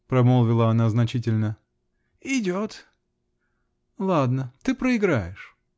-- промолвила она значительно. -- Идет. -- Ладно. Ты проиграешь.